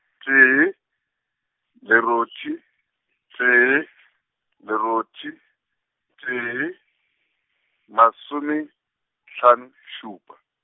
tee, lerothi, tee, lerothi, tee, masome, hlano, šupa.